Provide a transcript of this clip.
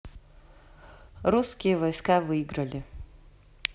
русские войска выиграли